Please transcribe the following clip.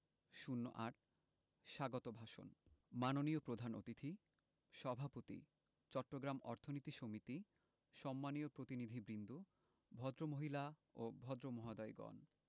০৮ স্বাগত ভাষণ মাননীয় প্রধান অতিথি সভাপতি চট্টগ্রাম অর্থনীতি সমিতি সম্মানীয় প্রতিনিধিবৃন্দ ভদ্রমহিলা ও ভদ্রমহোদয়গণ